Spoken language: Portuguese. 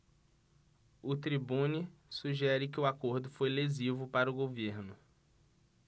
o tribune sugere que o acordo foi lesivo para o governo